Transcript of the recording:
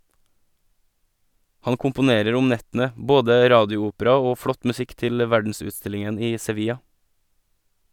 Han komponerer om nettene - både radioopera og flott musikk til verdensutstillingen i Sevilla.